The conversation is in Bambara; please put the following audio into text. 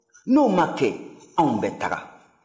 n'o ma kɛ anw bɛ taga